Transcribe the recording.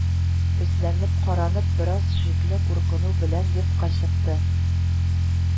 Эзләнеп, каранып, бераз шикле куркыну белән йортка чыкты